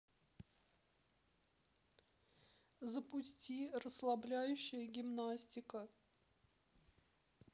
запусти расслабляющая гимнастика